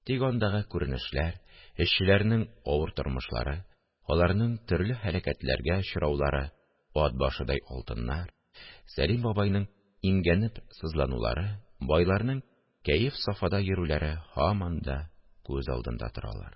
Тик андагы күренешләр, эшчеләрнең авыр тормышлары, аларның төрле һәлакәтләргә очраулары, ат башыдай алтыннар, Сәлим бабайның имгәнеп сызланулары, байларның кәеф-сафада йөрүләре һаман да күз алдында торалар